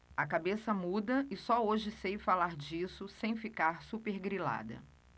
a cabeça muda e só hoje sei falar disso sem ficar supergrilada